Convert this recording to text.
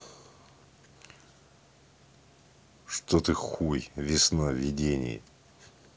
что ты хуй весна видения